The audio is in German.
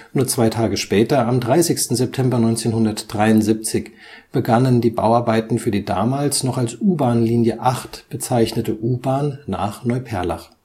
Nur zwei Tage später, am 30. September 1973, begannen die Bauarbeiten für die damals noch als U-Bahn-Linie 8 bezeichnete U-Bahn nach Neuperlach